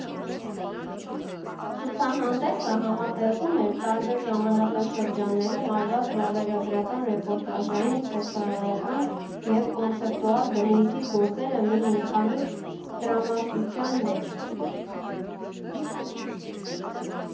Ցուցահանդեսը համատեղում էր տարբեր ժամանակաշրջաններում արված վավերագրական, ռեպորտաժային, փորձարարական և կոնցեպտուալ բնույթի գործերը մի ընդհանուր տրամասության մեջ։